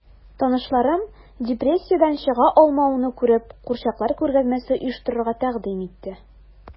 Танышларым, депрессиядән чыга алмавымны күреп, курчаклар күргәзмәсе оештырырга тәкъдим итте...